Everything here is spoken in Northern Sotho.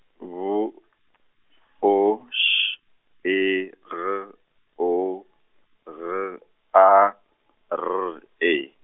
B O Š E G O G A R E.